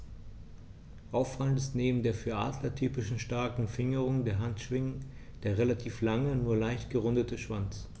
Auffallend ist neben der für Adler typischen starken Fingerung der Handschwingen der relativ lange, nur leicht gerundete Schwanz.